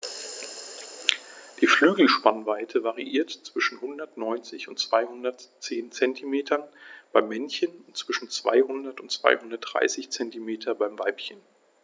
Die Flügelspannweite variiert zwischen 190 und 210 cm beim Männchen und zwischen 200 und 230 cm beim Weibchen.